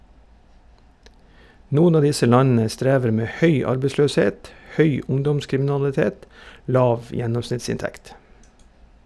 Noen av disse landene strever med høy arbeidsløshet , høy ungdomskriminalitet, lav gjennomsnittsinntekt.